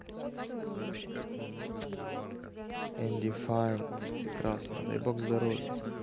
andy fine прекрасно дай бог здоровья